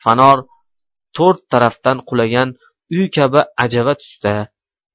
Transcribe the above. fanor to'rt tarafdan qulagan uy kabi ajava tusda